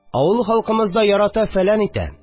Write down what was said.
Авыл халкымыз да ярата-фәлән итә